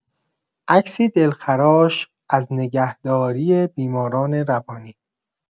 عکسی دلخراش از نگهداری بیماران روانی